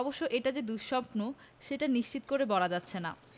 অবশ্য এটা যে দুঃস্বপ্ন সেটা নিশ্চিত করে বলা যাচ্ছে না